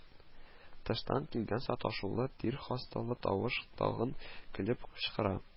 Тыштан килгән саташулы, тир хасталы тавыш тагын көлеп кычкыра: